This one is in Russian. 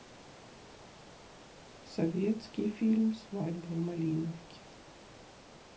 советский фильм свадьба в малиновке